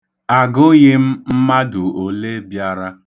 Agụghị m mmadụ ole bịara.